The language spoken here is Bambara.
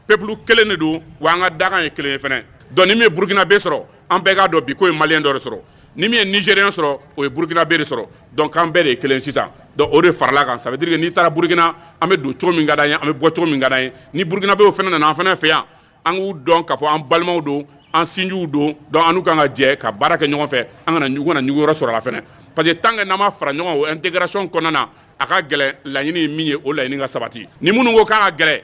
Bɛɛbulu kelen de don wa an ka da ye kelen dɔn bɛ burukina bɛ sɔrɔ an bɛɛ'a dɔn biko mali dɔ sɔrɔ ni min yesɛre sɔrɔ o ye burukina bereere sɔrɔ'an bɛɛ de ye sisan o de fara la kan'i taara burukina an bɛ don cogo an bɛ bɔ cogoan ye ni burukina o fana na an fana fɛ yan an k'u dɔn k ka fɔ an balimaw don an sinjuw don an kan ka jɛ ka baara kɛ ɲɔgɔn fɛ an ka ɲɔgɔn na sɔrɔ a pa tan ka' anma fara ɲɔgɔn an tɛɛrɛcsiɔn kɔnɔna na a ka gɛlɛn laɲini min ye o laɲini ka sabati ni minnu ko k'an ka gɛlɛn